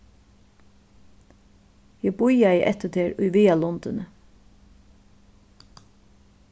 eg bíðaði eftir tær í viðarlundini